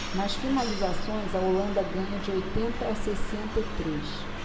nas finalizações a holanda ganha de oitenta a sessenta e três